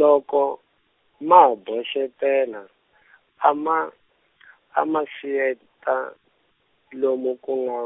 loko ma boxetela , a ma , a ma siyeta, lomu ku nga,